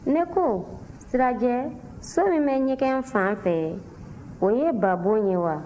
ne ko sirajɛ so min bɛ ɲɛgɛn fan fɛ o ye babon ye wa